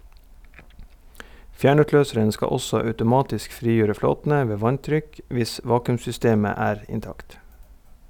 Fjernutløseren skal også automatisk frigjøre flåtene ved vanntrykk hvis vakuum-systemet er intakt.